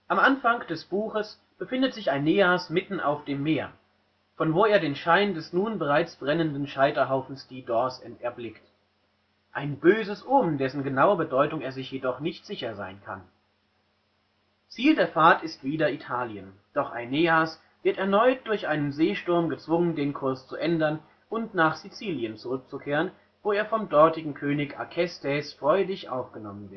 Anfang des Buchs befindet sich Aeneas mitten auf dem Meer, von wo er den Schein des nun bereits brennenden Scheiterhaufens Didos erblickt: ein böses Omen, dessen genauer Bedeutung er sich jedoch nicht sicher sein kann. Ziel der Fahrt ist wieder Italien, doch Aeneas wird erneut durch einen Seesturm gezwungen, den Kurs zu ändern und nach Sizilien zurückzukehren, wo er vom dortigen König Acestes freundlich aufgenommen